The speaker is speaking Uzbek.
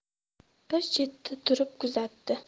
bir chetda turib kuzatdi